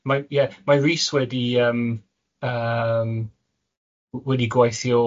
Mae, ie... Mae Rhys wedi yym yym w- wedi gweithio